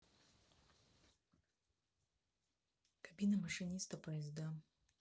кабина машиниста поезда